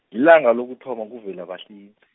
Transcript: lilanga lokuthoma kuVelabahlinze.